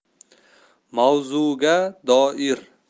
mavzuga doir